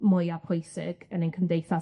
mwya pwysig yn ein cymdeithas.